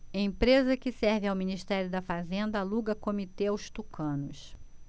empresa que serve ao ministério da fazenda aluga comitê aos tucanos